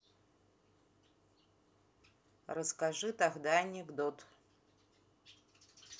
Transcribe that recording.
расскажи тогда анекдот